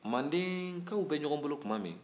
mandenkaw bɛ ɲɔgɔn bolo tuma min